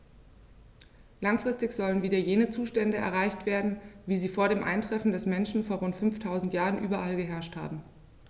Langfristig sollen wieder jene Zustände erreicht werden, wie sie vor dem Eintreffen des Menschen vor rund 5000 Jahren überall geherrscht haben.